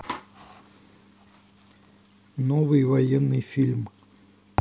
новый военный фильм